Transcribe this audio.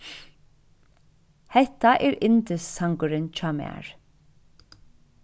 hetta er yndissangurin hjá mær